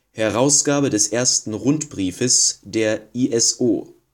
Herausgabe des ersten Rundbriefes der ISO